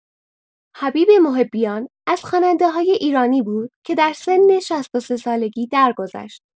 حبیب محبیان از خواننده‌های ایرانی بود که در سن ۶۳ سالگی درگذشت.